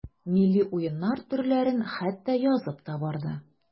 Милли уеннар төрләрен хәтта язып та барды.